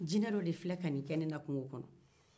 jinɛ dɔ de filɛ ka nin kɛ ne na kungo kɔnɔ